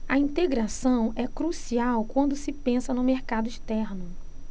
a integração é crucial quando se pensa no mercado externo